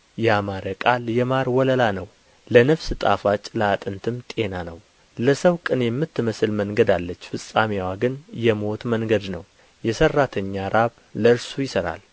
ያማረ ቃል የማር ወለላ ነው ለነፍስ ጣፋጭ ለአጥንትም ጤና ነው ለሰው ቅን የምትመስል መንገድ አለች ፍጻሜዋ ግን የሞት መንገድ ነው የሠራተኛ ራብ ለእርሱ ይሠራል